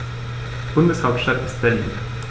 Bundeshauptstadt ist Berlin.